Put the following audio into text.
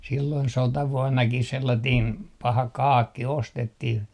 silloin sotavuonnakin sellainen paha kaakki ostettiin